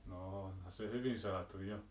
noo onhan se hyvin saatu jo